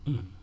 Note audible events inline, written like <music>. <hesitation> <hesitation>